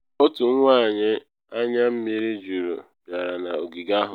Otu nwanyị anya mmiri juru bịara n’ogige ahụ.